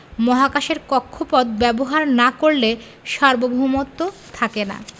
মহাকাশের কক্ষপথ ব্যবহার না করলে সার্বভৌমত্ব থাকে না